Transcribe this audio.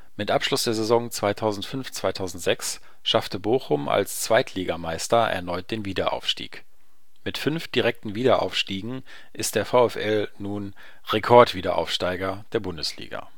Mit Abschluss der Saison 2005/06 schaffte Bochum als Zweitligameister erneut den Wiederaufstieg. Mit fünf direkten Wiederaufstiegen ist der VfL nun „ Rekordwiederaufsteiger “der Bundesliga